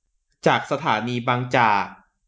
จากสถานีบางจาก